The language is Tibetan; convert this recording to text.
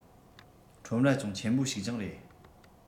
ཁྲོམ ར ཅུང ཆེན པོ ཞིག ཀྱང རེད